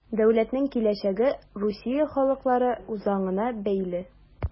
Дәүләтнең киләчәге Русия халыклары үзаңына бәйле.